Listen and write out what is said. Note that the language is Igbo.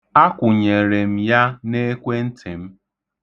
Akwụnyere m ya n'ekwentị m.